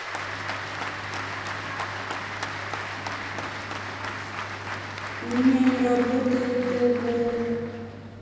у меня не работает тв